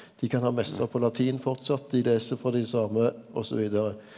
dei kan ha messe på latin framleis, dei les frå dei same og så vidare.